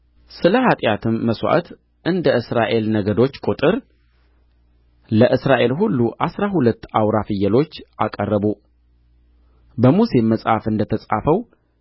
ስለ ኃጢአትም መሥዋዕት እንደ እስራኤል ነገዶች ቍጥር ለእስራኤል ሁሉ አሥራ ሁለት አውራ ፍየሎች አቀረቡ በሙሴም መጽሐፍ እንደ ተጻፈው